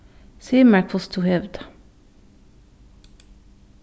sig mær hvussu tú hevur tað